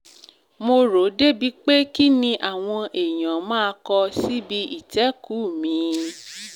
Mo ròó débi pé kí ni àwọn èèyàn máa kọ síbi ìtẹ́kùú mi?